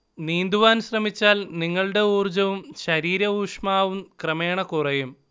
നീന്തുവാൻ ശ്രമിച്ചാൽ നിങ്ങളുടെ ഊർജവും ശരീര ഊഷ്മാവും ക്രമേണ കുറയും